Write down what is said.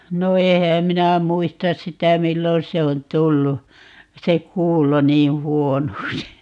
no enhän minä muista sitä milloin se on tullut se kuulo niin huonoksi